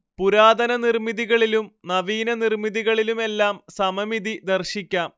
പുരാതന നിർമിതികളിലും നവീനനിർമിതികളിലുമെല്ലാം സമമിതി ദർശിക്കാം